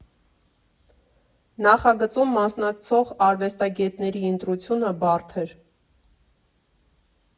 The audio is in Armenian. Նախագծում մասնակցող արվեստագետների ընտրությունը բարդ էր։